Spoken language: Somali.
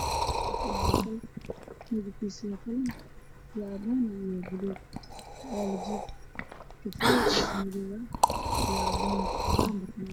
Waa sariir wareeg ah waxaa ku fidsan go cadaan ah